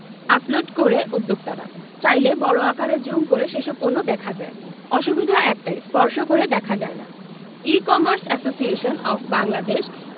upload করে উদ্যোক্তারা চাইলে বড় আকারে জুম করে সেসব পণ্য দেখা যায় অসুবিধা একটাই স্পর্শ করে দেখা যায় না e commerce association of Bangladesh